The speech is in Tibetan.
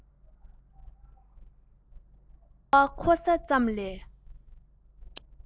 ཁེ བ འཁོར ས ཙམ ལས